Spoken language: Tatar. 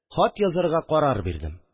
Хат язарга карар бирдем